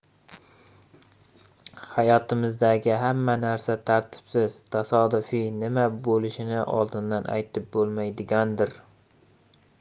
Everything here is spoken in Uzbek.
hayotimizdagi hamma narsa tartibsiz tasodifiy nima bo'lishini oldindan aytib bo'lmaydigandir